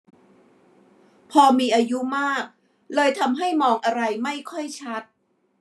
พอมีอายุมากเลยทำให้มองอะไรไม่ค่อยชัด